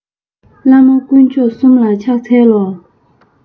བླ མ དཀོན མཆོག གསུམ ལ ཕྱག འཚལ ལོ